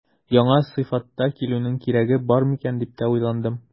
Яңа сыйфатта килүнең кирәге бар микән дип тә уйландым.